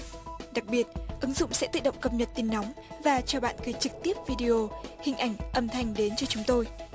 đặc biệt ứng dụng sẽ tự động cập nhật tin nóng và chờ bạn gửi trực tiếp vi đi ô hình ảnh âm thanh đến cho chúng tôi